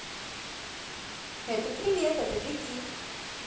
это привет это беги